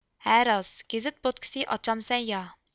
ھە راست گېزىت بوتكىسى ئاچامسەن يا